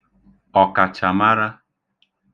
ọ̀kàchàmara